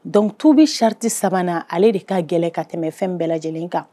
Dɔnkuc tubi sariti sabanan ale de ka gɛlɛn ka tɛmɛ fɛn bɛɛ lajɛlen kan